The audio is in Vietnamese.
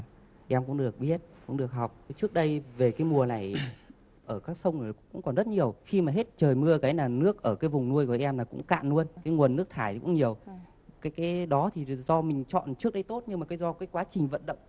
em cũng được biết cũng được học thế trước đây về cái mùa này ở các sông cũng còn rất nhiều khi mà hết trời mưa cái là nước ở cái vùng nuôi của em là cũng cạn luôn cái nguồn nước thải thì cũng nhiều cái cái đó thì do mình chọn trước đây tốt nhưng mà cái do cái quá trình vận động